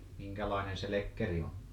minkälainen se lekkeri on